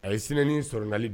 A ye sinan sɔrɔgali don